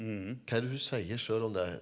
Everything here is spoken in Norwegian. hva er det hun sier selv om det?